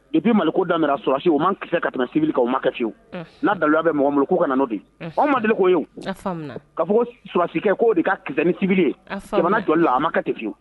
I bɛ mali da surakasi o ma ki ka tɛmɛ cibili kɛ u ma kɛ fiwu n'a dalu bɛ mɔgɔgolo ka na'o bi anw ma deli ko yen ka fɔ sulasikɛ k'o de ka kisɛ ni sibi sabanan dɔla a ma ka kɛyewu